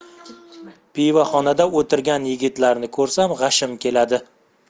pivoxonada o'tirgan yigitlarni ko'rsam g'ashim keladi